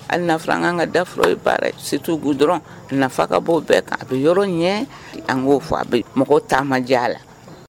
Halikan ka da fɔlɔ ye baara setuugu dɔrɔn nafa ka bo bɛɛ kan a bɛ yɔrɔ ɲɛ an'o fɔ a mɔgɔw taama diya a la